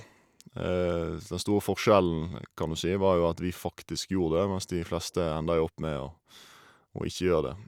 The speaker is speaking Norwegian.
S Den store forskjellen, kan du si, var jo at vi faktisk gjorde det, mens de fleste ender jo opp med å å ikke gjøre det.